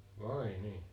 vai niin